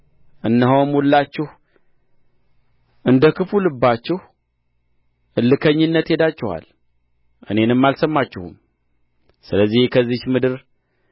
እነሆም ሁላችሁ እንደ ክፉ ልባችሁ እልከኝነት ሄዳችኋል እኔንም አልሰማችሁም ስለዚህ ከዚህች ምድር